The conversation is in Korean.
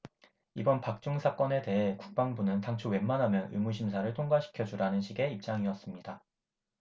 이번 박 중사 건에 대해 국방부는 당초 웬만하면 의무심사를 통과시켜 주라는 식의 입장이었습니다